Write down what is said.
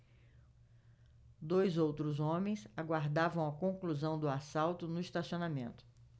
dois outros homens aguardavam a conclusão do assalto no estacionamento